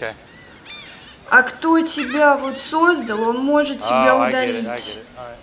а кто тебя вот создал он может тебя удалить